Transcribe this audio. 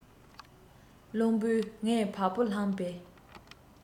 རླུང བུས ངའི བ སྤུ བསླངས པས